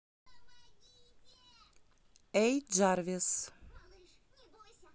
эй джарвис